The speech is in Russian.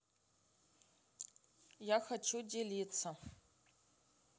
я хочу делиться